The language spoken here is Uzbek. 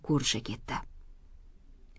ko'risha ketdi